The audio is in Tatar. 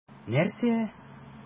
Нәрсә?!